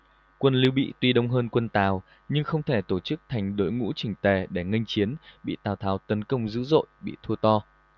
quân lưu bị tuy đông hơn quân tào nhưng không thể tổ chức thành đội ngũ chỉnh tề để nghênh chiến bị tào tháo tấn công dữ dội bị thua to